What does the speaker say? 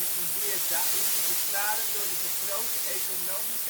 in Beerta is te verklaren door de vergrote economische afstand die